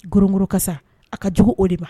Ggolo ka sa a ka jugu o deba